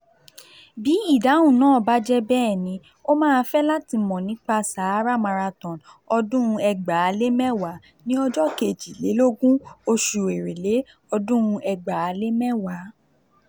Bí ìdáhùn náà bá jẹ́ 'bẹ́ẹ̀ni', o máa fẹ́ láti mọ̀ nípa Sahara Marathon 2010 ní ọjọ́ 22 oṣù Èrèlé, ọdún 2010.